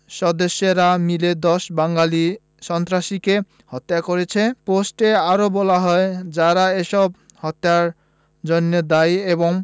সদস্যরা মিলে ১০ বেঙ্গলি সন্ত্রাসীকে হত্যা করেছে পোস্টে আরো বলা হয় যারা এসব হত্যার জন্য দায়ী এবং